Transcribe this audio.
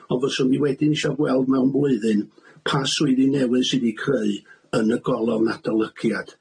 Ond fyswn i wedyn isio gweld mewn flwyddyn pa swyddi newydd sydd 'di 'u creu yn y golofn adolygiad.